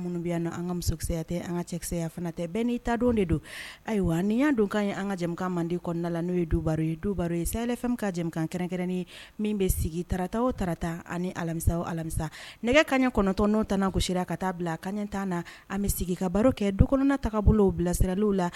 Anya fana tɛ don ayiwa nin y' don ka ye an ka mande kɔnɔnada la n'o ye du baro ye du baro ye saya fɛn ka jamana kɛrɛn ni min bɛ sigi tarata o tarata ani alamisa alamisa nɛgɛ ka ɲɛ kɔnɔntɔn n'o ta kosira ka taa bila a ka ɲɛ' na an bɛ sigi ka baro kɛ du kɔnɔnataa bolo u bila sirali la